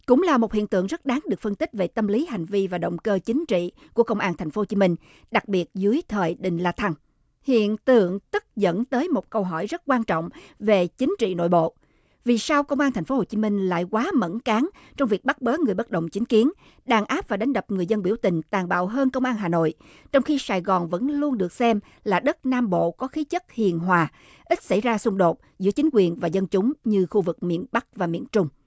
cũng là một hiện tượng rất đáng được phân tích về tâm lý hành vi và động cơ chính trị của công an thành phố hồ chí minh đặc biệt dưới thời đinh la thăng hiện tượng tất dẫn tới một câu hỏi rất quan trọng về chính trị nội bộ vì sao công an thành phố hồ chí minh lại quá mẫn cán trong việc bắt bớ người bất đồng chính kiến đàn áp và đánh đập người dân biểu tình tàn bạo hơn công an hà nội trong khi sài gòn vẫn luôn được xem là đất nam bộ có khí chất hiền hòa ít xảy ra xung đột giữa chính quyền và dân chúng như khu vực miền bắc và miền trung